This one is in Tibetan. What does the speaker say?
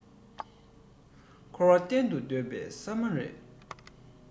འཁོར བ གཏན དུ སྡོད པའི ས མ རེད